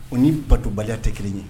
O ni batobaliya tɛ kelen ye